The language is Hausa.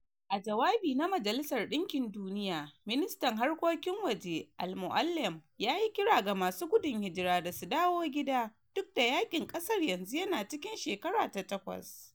A jawabi na Majalisar ɗinkin Duniya, Ministan Harkokin Waje al-Moualem yayi kira ga masu gudun hijira da su dawo gida, duk da yaƙin ƙasar yanzu yana cikin shekara ta takwas.